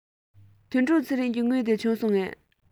དོན གྲུབ ཚེ རིང གི དངུལ དེ བྱུང སོང ངས